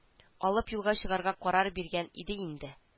Алып юлга чыгарга карар биргән иде инде